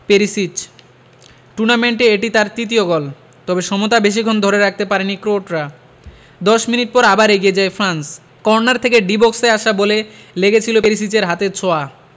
Perisic টুর্নামেন্টে এটি তার তৃতীয় গোল তবে সমতা বেশিক্ষণ ধরে রাখতে পারেনি ক্রোটরা ১০ মিনিট পর আবার এগিয়ে যায় ফ্রান্স কর্নার থেকে ডি বক্সে আসা বলে লেগেছিল পেরিসিচের হাতের ছোঁয়া